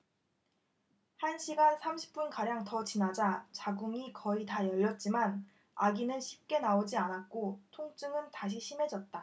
한 시간 삼십 분가량 더 지나자 자궁이 거의 다 열렸지만 아기는 쉽게 나오지 않았고 통증은 다시 심해졌다